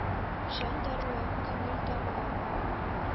Җан даруы, күңел даруы.